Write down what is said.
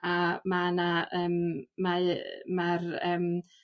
A ma' 'na yym mae yy ma'r yym